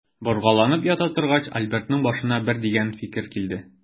Боргаланып ята торгач, Альбертның башына бер дигән фикер килде.